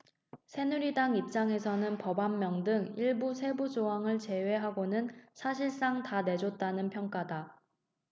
새누리당 입장에서는 법안명 등 일부 세부조항을 제외하고는 사실상 다 내줬다는 평가다